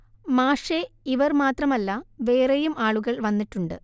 മാഷെ ഇവർ മാത്രമല്ല വേറെയും ആളുകൾ വന്നിട്ടുണ്ട്